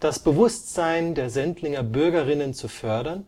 das Bewusstsein der Sendlinger BürgerInnen zu fördern,